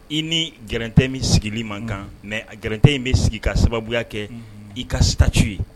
I ni gɛlɛn tɛ min sigili man kan mɛ gɛlɛnte in bɛ sigi ka sababuya kɛ i ka taaci ye